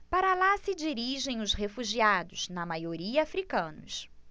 para lá se dirigem os refugiados na maioria hútus